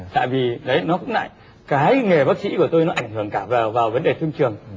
tại vì đấy nó cũng lại cái nghề bác sĩ của tôi nó ảnh hưởng cả vào vào vấn đề phim trường